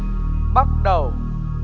bắc đẩu